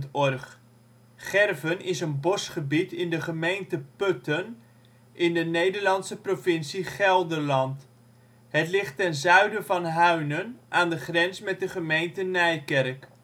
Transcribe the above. OL Gerven Plaats in Nederland Situering Provincie Gelderland Gemeente Putten Coördinaten 52° 13′ NB, 5° 35′ OL Portaal Nederland Gerven is een bosgebied in de gemeente Putten, in de Nederlandse provincie Gelderland. Het ligt ten zuiden van Huinen, aan de grens met de gemeente Nijkerk